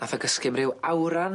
Nath o gysgu'm ryw awran.